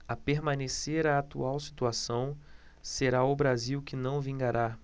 a permanecer a atual situação será o brasil que não vingará